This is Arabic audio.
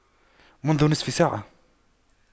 منذ نصف ساعة